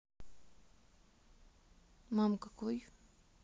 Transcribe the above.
мама какой